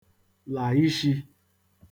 là ishī